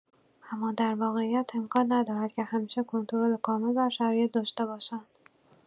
اما در واقعیت، امکان ندارد که همیشه کنترل کامل بر شرایط داشته باشند.